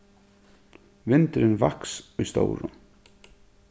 vindurin vaks í stórum